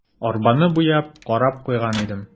Арбаны буяп, карап куйган идем.